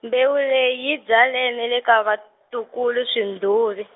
mbewu leyi yi byaleni ni le ka vatukulu swihluvi.